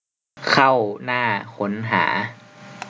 เข้าหน้าค้นหา